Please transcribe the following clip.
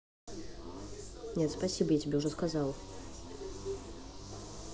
нет спасибо я тебе уже сказал